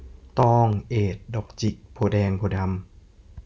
ตองเอดดอกจิกโพธิ์แดงโพธิ์ดำ